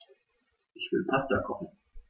Ich will Pasta kochen.